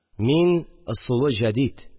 Мин – ысулы жәдид